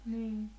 niin